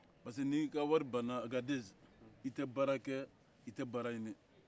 parce que n'i ka wari bana agadɛzi i tɛ baara kɛ i tɛ baara ɲini